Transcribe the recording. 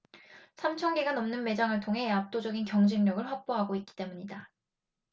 삼천 개가 넘는 매장을 통해 압도적인 경쟁력을 확보하고 있기 때문이다